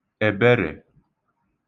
èberè